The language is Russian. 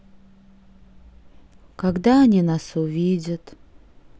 когда они нас увидят